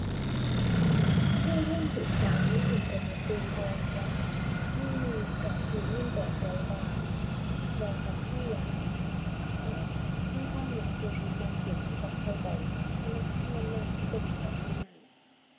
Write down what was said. เราลองศึกษาอยู่ในอินเทอร์เน็ตเบิ่งก่อนว่ามีการกู้เงินแบบใดบ้าง แล้วคันเราอยาก เอ่อ มีความน่าเชื่อถือมากขึ้นเราเราค่อยไปธนาคารนั้นนั้น หรือบริษัทนั้นนั้น